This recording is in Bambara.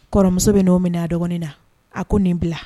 Kɔrɔmuso bɛ n'o minɛ a dɔgɔnin na a ko nin bila